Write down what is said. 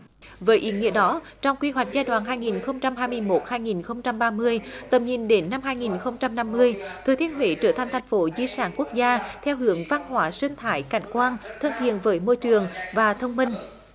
với ý nghĩa đó trong quy hoạch giai đoạn hai nghìn không trăm hai mươi một hai nghìn không trăm ba mươi tầm nhìn đến năm hai nghìn không trăm năm mươi thừa thiên huế trở thành thành phố di sản quốc gia theo hướng văn hóa sinh thái cảnh quan thân thiện với môi trường và thông minh